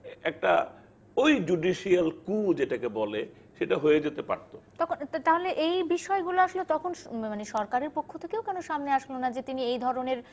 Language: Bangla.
একটা ওই জুডিশিয়াল ক্যু যেটাকে বলে সেটা হয়ে যেতে পারতো তখন তাহলে এই বিষয়গুলো আসলে তখন সরকারের পক্ষ থেকেও কেন সামনে আসলো না যে তিনি এই ধরনের